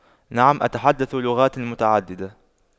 نعم أتحدث لغات متعددة